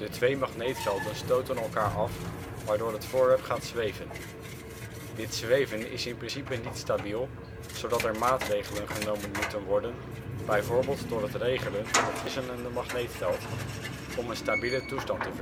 twee magneetvelden stoten elkaar af, waardoor het voorwerp gaat zweven. Dit zweven is in principe niet stabiel, zodat er maatregelen genomen moeten worden (bijvoorbeeld door het regelen van het wisselende magneetveld) om een stabiele toestand te verkrijgen